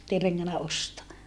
että ei rengännyt ostaa